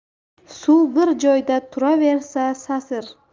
suv bir joyda turaversa sasir